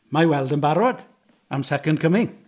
Mae hi weld yn barod am second coming.